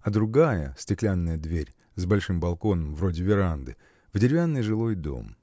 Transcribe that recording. а другая, стеклянная дверь, с большим балконом, вроде веранды, в деревянный жилой дом.